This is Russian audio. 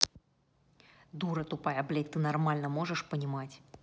дура тупая блядь ты нормально можешь понимать